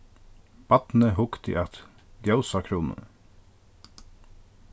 barnið hugdi at ljósakrúnuni